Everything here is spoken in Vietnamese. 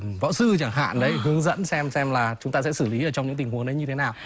võ sư chẳng hạn lấy hướng dẫn xem xem là chúng ta sẽ xử lý ở trong những tình huống như thế nào